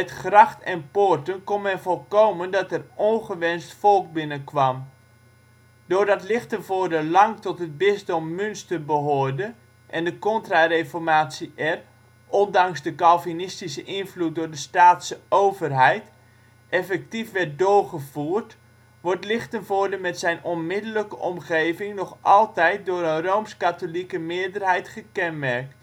gracht en poorten kon men voorkomen dat er ongewenst volk binnenkwam. Doordat Lichtenvoorde lang tot het bisdom Münster behoorde en de Contrareformatie er - ondanks de calvinistische invloed door de Staatse overheid - effectief werd doorgevoerd, wordt Lichtenvoorde met zijn onmiddellijke omgeving nog altijd door een rooms-katholieke meerderheid gekenmerkt